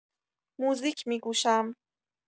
موزیک می‌گوشم